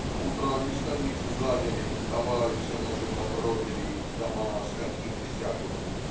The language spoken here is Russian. Наутро они станицу заняли, давай все наше добро делить, дома, скотину всякую.